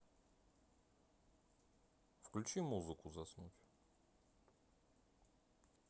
включи музыку заснуть